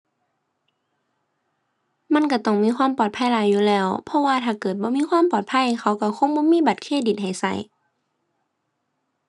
มันก็ต้องมีความปลอดภัยหลายอยู่แล้ว เพราะว่าถ้าเกิดบ่มีความปลอดภัย เขาก็คงบ่มีบัตรเครดิตให้ก็